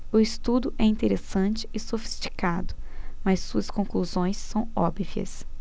o estudo é interessante e sofisticado mas suas conclusões são óbvias